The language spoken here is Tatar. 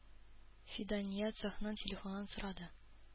Фидания цехның телефонын сорады.